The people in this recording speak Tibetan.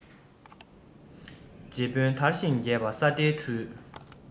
རྗེ དཔོན དར ཞིང རྒྱས པ ས སྡེའི འཕྲུལ